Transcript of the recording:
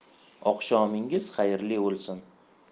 oqshomingiz xayrli o'lsun